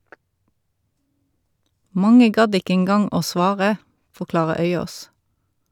Mange gadd ikke engang å svare , forklarer Øyaas.